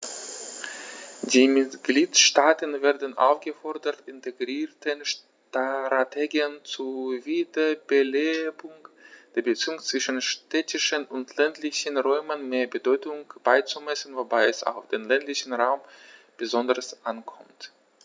Die Mitgliedstaaten werden aufgefordert, integrierten Strategien zur Wiederbelebung der Beziehungen zwischen städtischen und ländlichen Räumen mehr Bedeutung beizumessen, wobei es auf den ländlichen Raum besonders ankommt.